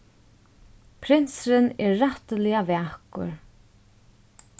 prinsurin er rættiliga vakur